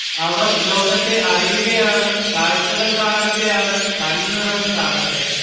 അവർ ലോകത്തെ അറിയുകയാണ് കാഴ്ചകൾ കാണുകയാണ് കൺനിറഞ്ഞ് കാണട്ടെ